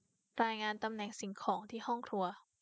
รายงานตำแหน่งสิ่งของที่ห้องครัว